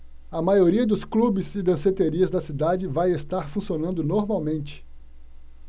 a maioria dos clubes e danceterias da cidade vai estar funcionando normalmente